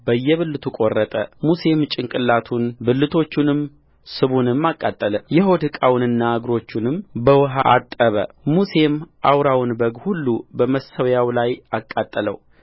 በየብልቱ ቈረጠ ሙሴም ጭንቅላቱን ብልቶቹንም ስቡንም አቃጠለ የሆድ ዕቃውንና እግሮቹንም በውኃ አጠበ ሙሴም አውራውን በግ ሁሉ በመሠዊያው ላይ አቃጠለው